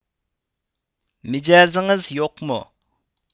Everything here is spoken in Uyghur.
مىجەزىڭىز يوقمۇ